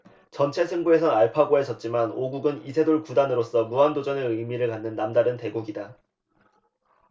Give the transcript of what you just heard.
전체 승부에선 알파고에 졌지만 오 국은 이세돌 아홉 단으로서 무한도전의 의미를 갖는 남다른 대국이다